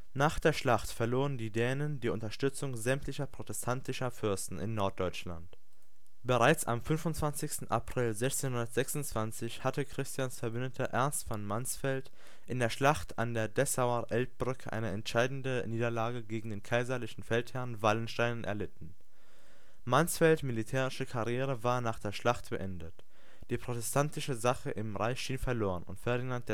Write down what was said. Nach der Schlacht verloren die Dänen die Unterstützung sämtlicher protestantischer Fürsten in Norddeutschland. Bereits am 25. April 1626 hatte Christians Verbündeter Ernst von Mansfeld in der Schlacht an der Dessauer Elbbrücke eine entscheidende Niederlage gegen den kaiserlichen Feldherren Wallenstein erlitten. Mansfelds militärische Karriere war nach der Schlacht beendet. Die protestantische Sache im Reich schien verloren und Ferdinand